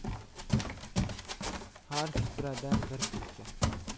har supradan bir kulcha